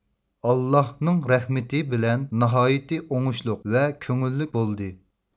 ئاللاھنىڭ رەھمىتى بىلەن ناھايتى ئوڭۇشلۇق ۋە كۆڭۈللۈك بولدى